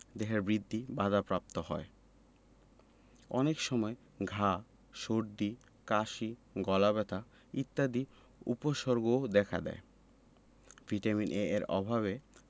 দেহের বৃদ্ধি বাধাপ্রাপ্ত হয় অনেক সময় ঘা সর্দি কাশি গলাব্যথা ইত্যাদি উপসর্গও দেখা দেয় ভিটামিন A এর অভাবে